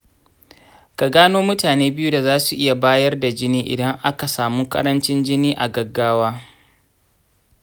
ka gano mutane biyu da za su iya bayar da jini idan aka samu ƙarancin jini a gaggawa.